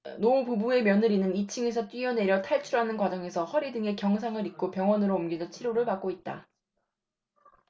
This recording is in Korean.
노부부의 며느리는 이 층에서 뛰어내려 탈출하는 과정에서 허리 등에 경상을 입고 병원으로 옮겨져 치료를 받고 있다